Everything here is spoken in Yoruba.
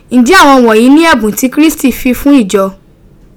Nje awon wonyi ni ebun ti Kirisiti fifun Ijo